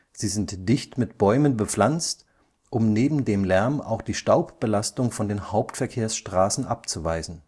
sind dicht mit Bäumen bepflanzt, um neben dem Lärm auch die Staubbelastung von den Hauptverkehrsstraßen abzuweisen